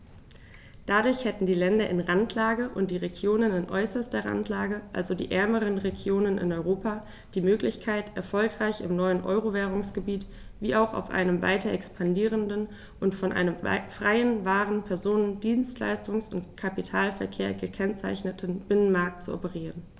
Dadurch hätten die Länder in Randlage und die Regionen in äußerster Randlage, also die ärmeren Regionen in Europa, die Möglichkeit, erfolgreich im neuen Euro-Währungsgebiet wie auch auf einem weiter expandierenden und von einem freien Waren-, Personen-, Dienstleistungs- und Kapitalverkehr gekennzeichneten Binnenmarkt zu operieren.